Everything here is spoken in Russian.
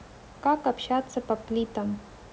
как обращаться по плитам